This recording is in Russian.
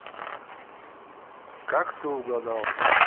как ты угадал